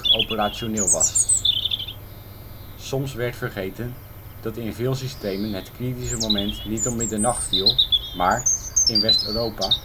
operationeel was). Soms werd vergeten dat in veel systemen het kritische moment niet om middernacht viel maar (in West-Europa